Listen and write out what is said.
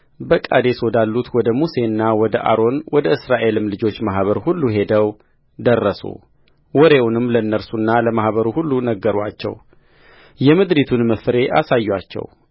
በቃዴስ ወዳሉት ወደ ሙሴና ወደ አሮን ወደ እስራኤልም ልጆች ማኅበር ሁሉ ሄደው ደረሱ ወሬውንም ለእነርሱና ለማኅበሩ ሁሉ ነገሩአቸው የምድሪቱንም ፍሬ አሳዩአቸው